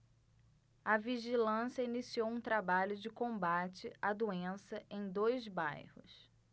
a vigilância iniciou um trabalho de combate à doença em dois bairros